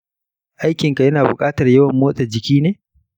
aikinka yana buƙatar yawan motsa jiki ne?